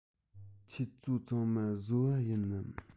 ཁྱོད ཚོ ཚང མ བཟོ པ ཡིན ནམ